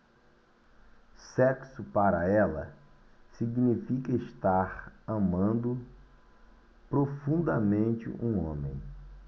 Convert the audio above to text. sexo para ela significa estar amando profundamente um homem